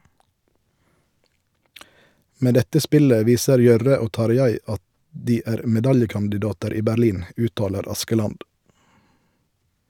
Med dette spillet viser Jørre og Tarjei at de er medaljekandidater i Berlin , uttaler Askeland.